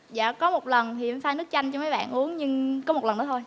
dạ có một lần thì em pha nước chanh cho mấy bạn uống nhưng có một lần đó thôi